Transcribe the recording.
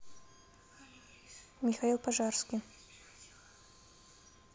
михаил пожарский